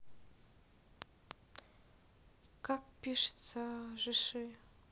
как пишется жи ши